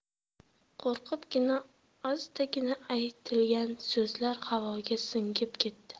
qo'rqibgina astagina aytilgan so'zlar havoga singib ketdi